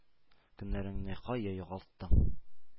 Көннәреңне кая югалттың?